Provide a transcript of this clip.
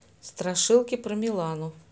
страшилки про милану